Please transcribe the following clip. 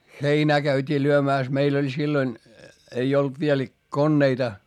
heinää käytiin lyömässä meillä oli silloin ei ollut vielä koneita